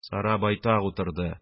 Сара байтак утырды,